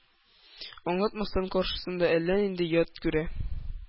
Аңламастан, каршысында әллә нинди «ят» күрә.